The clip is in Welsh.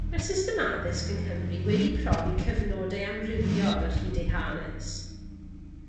Mae'r system addysg yng Nghymru wedi profi cyfnodau amrywiol ar hyd ei hanes.